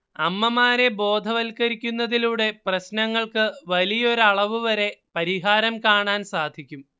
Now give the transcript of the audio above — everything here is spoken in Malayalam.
അമ്മമാരെ ബോധവൽക്കരിക്കുന്നതിലൂടെ പ്രശ്നങ്ങൾക്ക് വലിയൊരളവുവരെ പരിഹാരം കാണാൻ സാധിക്കും